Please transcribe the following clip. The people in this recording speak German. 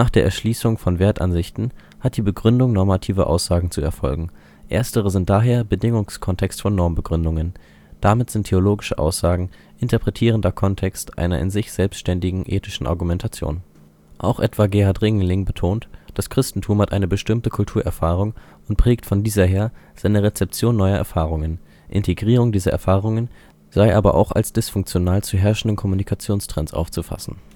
der Erschließung von Werteinsichten hat die Begründung normativer Aussagen zu erfolgen. Erstere sind daher Bedingungskontext von Normbegründungen. Damit sind theologische Aussagen interpretierender Kontext einer in sich selbständigen ethischen Argumentation. Auch etwa Gerhard Ringeling betont: Das Christentum hat eine bestimmte Kulturerfahrung und prägt von dieser her seine Rezeption neuer Erfahrungen. Integrierung dieser Erfahrungen sei aber auch als disfunktional zu herrschenden Kommunikationstrends aufzufassen